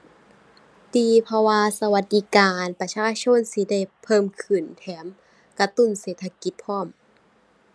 ดี เพราะว่าสวัสดิการประชาชนสิได้เพิ่มขึ้น แถมกระตุ้นเศรษฐกิจพร้อม